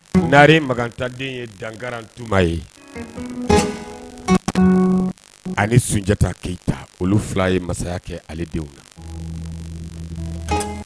N naare makantaden ye dankararantuma ye ani sunjatata keyita olu fila ye masaya kɛ ale denw na